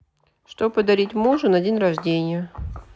что подарить мужу на день рождения